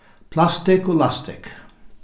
plastikk og lastikk